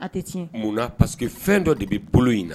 Munnaa paseke fɛn dɔ de bɛ bolo in na